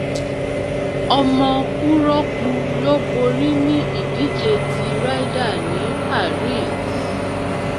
Ọmọ Úróópù ló borí ní ìdíje ti Ryder ní Paris